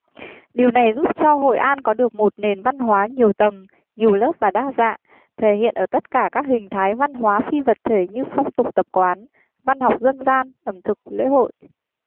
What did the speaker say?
điều này giúp cho hội an có được một nền văn hóa nhiều tầng nhiều lớp và đa dạng thể hiện ở tất cả các hình thái văn hóa phi vật thể như phong tục tập quán văn học dân gian ẩm thực lễ hội